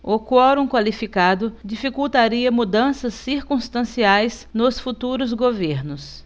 o quorum qualificado dificultaria mudanças circunstanciais nos futuros governos